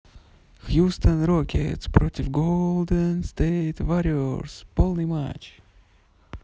хьюстон рокетс против golden state warriors полный матч